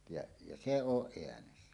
ja ja se on äänessä